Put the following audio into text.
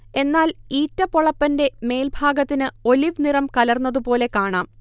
എന്നാൽ ഈറ്റ പൊളപ്പന്റെ മേൽഭാഗത്തിന് ഒലിവ് നിറം കലർന്നതുപോലെ കാണാം